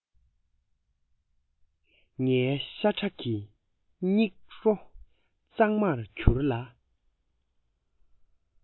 ངའི ཤ ཁྲག གི སྙིག རོ གཙང མར གྱུར ལ